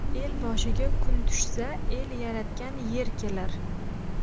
el boshiga kun tushsa el yaratgan er kelar